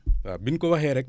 waa bi ñu ko waxee rekk